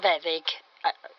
feddyg yy yy